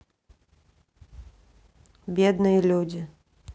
бедные люди